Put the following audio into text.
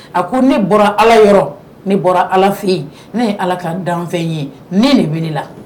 A ko ne bɔra ala yɔrɔ ne bɔra ala fɛye ne ye ala ka danfɛn ye ne de bɛ i la